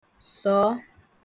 sọ̀ọ